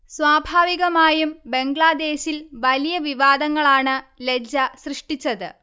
സ്വാഭാവികമായും ബംഗ്ലാദേശിൽ വലിയ വിവാദങ്ങളാണ് ലജ്ജ സൃഷ്ടിച്ചത്